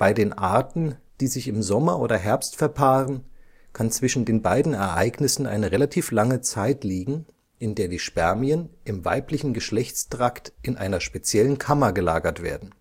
den Arten, die sich im Sommer oder Herbst verpaaren, kann zwischen den beiden Ereignissen eine relativ lange Zeit liegen, in der die Spermien im weiblichen Geschlechtstrakt in einer speziellen Kammer gelagert werden